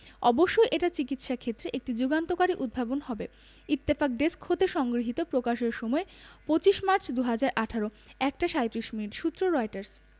অবশ্যই এটা চিকিত্সাক্ষেত্রে একটি যুগান্তকারী উদ্ভাবন হবে ইত্তেফাক ডেস্ক হতে সংগৃহীত প্রকাশের সময় ২৫মার্চ ২০১৮ ১ টা ৩৬ মিনিট সূত্রঃ রয়টার্স